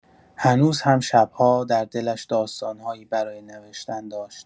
هنوز هم شب‌ها در دلش داستان‌هایی برای نوشتن داشت.